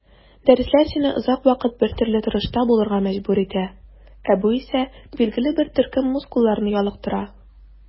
Дәресләр сине озак вакыт бертөрле торышта булырга мәҗбүр итә, ә бу исә билгеле бер төркем мускулларны ялыктыра.